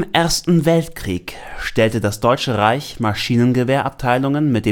Ersten Weltkrieg stellte das Deutsche Reich Maschinengewehr-Abteilungen mit